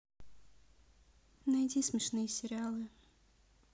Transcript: найди смешные сериалы